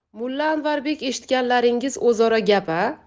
mulla anvarbek eshitganlaringiz o'zaro gap a